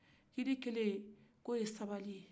kili kelen k'o ye sabali ye